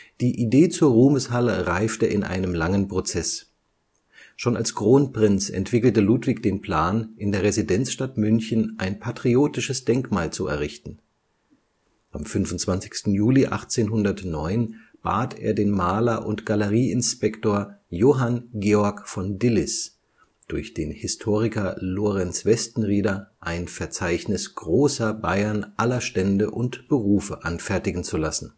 Die Idee zur Ruhmeshalle reifte in einem langen Prozess. Schon als Kronprinz entwickelte Ludwig den Plan, in der Residenzstadt München ein patriotisches Denkmal zu errichten. Am 25. Juli 1809 bat er den Maler und Galerieinspektor Johann Georg von Dillis, durch den Historiker Lorenz Westenrieder ein Verzeichnis „ großer “Bayern aller Stände und Berufe anfertigen zu lassen